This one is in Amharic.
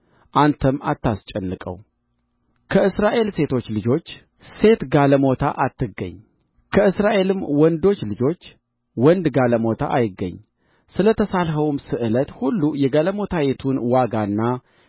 አንተም አታስጨንቀው ከእስራኤል ሴቶች ልጆች ሴት ጋለሞታ አትገኝ ከእስራኤልም ወንዶች ልጆች ወንድ ጋለሞታ አይገኝ ስለ ተሳልኸው ስእለት ሁሉ የጋለሞታይቱን ዋጋና